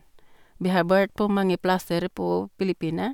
Vi har vært på mange plasser på Filippinene.